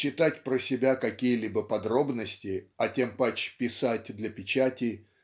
Читать про себя какие-либо подробности, а тем паче писать для печати